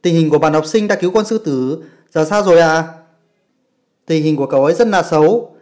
tình hình của bạn học sinh đã cứu con sư tử sao rồi ạ tình hình cậu ấy rất là xấu